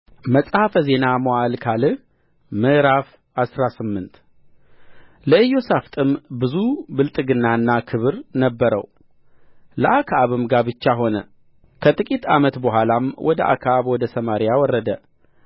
መጽሐፈ ዜና መዋዕል ካልዕ ምዕራፍ አስራ ስምንት ለኢዮሣፍጥም ብዙ ብልጥግናና ክብር ነበረው ለአክዓብም ጋብቻ ሆነ ከጥቂት ዓመት በኋላም ወደ አክዓብ ወደ ሰማርያ ወረደ